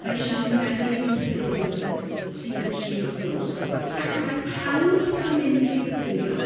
Mae eisiau mynd mewn i'r pafiliwn tua tri o'r gloch. Ac mae pawb yn cael mynd i'r pafiliwn.